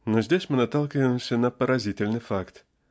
Но здесь мы наталкиваемся на поразительный факт